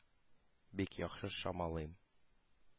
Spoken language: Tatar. Бик яхшы чамалыйм.